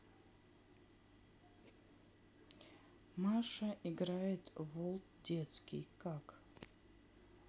маша играет в world детский как